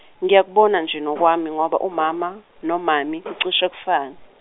ngiyakubona nje nokwami ngoba umama, nomummy kucishe kufane.